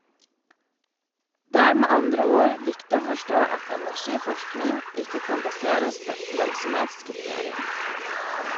Det er med andre ord viktig å forstå at energiforskning ikke kan baseres på lønnsomhetskriteria.